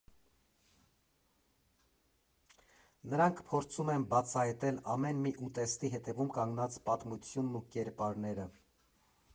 Նրանք փորձում են բացահայտել ամեն մի ուտեստի հետևում կանգնած պատմությունն ու կերպարները։